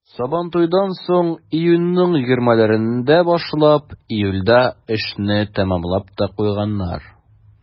Сабантуйдан соң, июньнең егермеләрендә башлап, июльдә эшне тәмамлап та куйганнар.